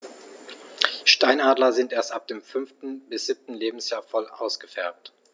Steinadler sind erst ab dem 5. bis 7. Lebensjahr voll ausgefärbt.